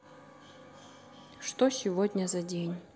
что сегодня за день